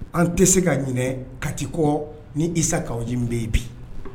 An tɛ se ka ɲ kati kɔ ni isa kaawin bɛyi bi